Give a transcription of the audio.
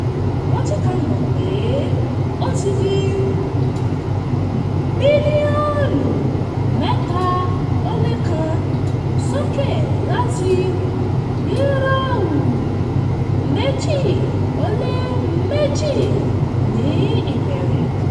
Wọ́n jẹ́ ká mọ̀ pé ó ti dé €3.1billion ($3.6bn) - sókè láti €2.2 billion ní ìbẹ̀rẹ̀.